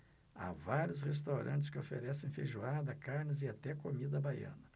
há vários restaurantes que oferecem feijoada carnes e até comida baiana